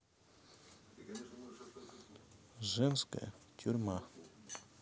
женская тюрьма